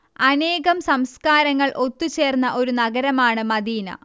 അനേകം സംസ്കാരങ്ങൾ ഒത്തുചേർന്ന ഒരു നഗരമാണ് മദീന